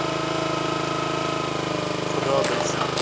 xudo bilsin